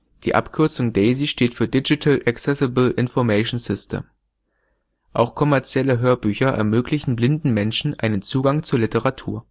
Die Abkürzung DAISY steht für „ Digital Accessible Information System “. Auch kommerzielle Hörbücher ermöglichen blinden Menschen einen Zugang zur Literatur